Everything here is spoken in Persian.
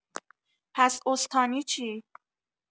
پس استانی چی؟